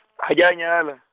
ha ke a nyala.